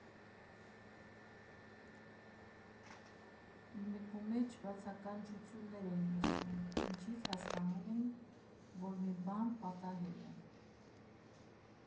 Մեկումեջ բացականչություններ էին լսվում, ինչից հասկանում էինք, որ մի բան պատահել է։